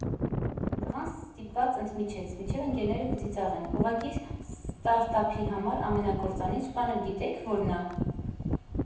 ֊ տղան ստիպված ընդմիջեց, մինչև ընկերները կծիծաղեն, ֊ ուղղակի ստարտափի համար ամենակործանիչ բանը գիտե՞ք որն ա։